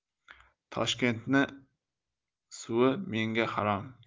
toshkentni suvi menga harom